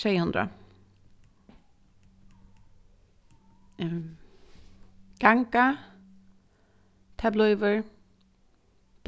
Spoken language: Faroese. sjey hundrað ganga tað blívur